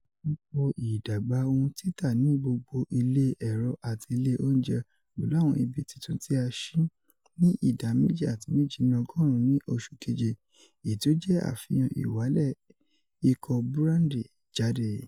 Apapọ idagba ohun tita ni gbogbo ile ero ati ile ounjẹ, pẹlu awọn ibi titun ti a ṣi, ni ida 2.7 nínú ọgorun ni oṣu keje, eyi ti o jẹ afihan iwalẹ iko burandi jade.